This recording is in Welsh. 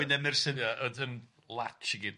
...wyneb mursen... Ia ond yn lats i gyd.